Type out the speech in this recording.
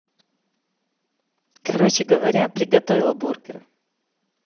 короче говоря приготовил бургер